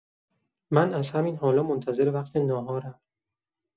من از همین حالا منتظر وقت ناهارم.